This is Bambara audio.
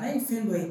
A ye sen don ye